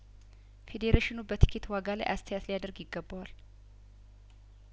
ፌዴሬሽኑ በቲኬት ዋጋ ላይ አስተያየት ሊያደርግ ይገባዋል